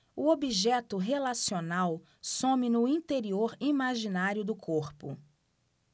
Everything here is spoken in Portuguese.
o objeto relacional some no interior imaginário do corpo